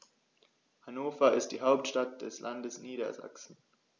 Hannover ist die Hauptstadt des Landes Niedersachsen.